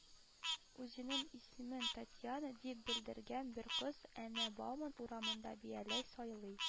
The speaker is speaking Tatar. Үзенең исемен Татьяна дип белдергән бер кыз әнә Бауман урамында бияләй сайлый